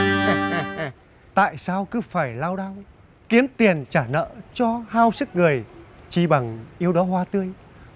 he he tại sao cứ phải lao đao kiếm tiền trả nợ cho hao sức người chi bằng yêu đóa hoa tươi